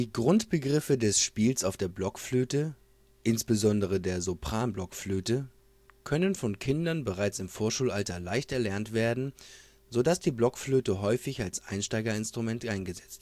Grundbegriffe des Spiels auf der Blockflöte - insbesondere der Sopranblockflöte - können von Kindern bereits im Vorschulalter leicht erlernt werden, so dass die Blockflöte häufig als Einstiegsinstrument eingesetzt